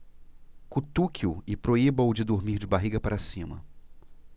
cutuque-o e proíba-o de dormir de barriga para cima